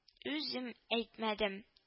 Үзем әйтмәдем